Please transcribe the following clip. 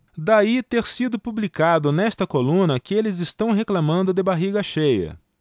daí ter sido publicado nesta coluna que eles reclamando de barriga cheia